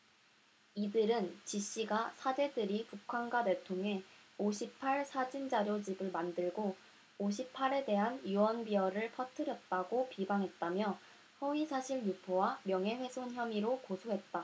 이들은 지씨가 사제들이 북한과 내통해 오 십 팔 사진자료집을 만들고 오 십 팔 에 대한 유언비어를 퍼뜨렸다고 비방했다며 허위사실 유포와 명예훼손 혐의로 고소했다